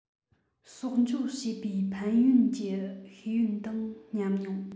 གསོག འཇོག བྱས པའི ཕན ཡོད ཀྱི ཤེས ཡོན དང ཉམས མྱོང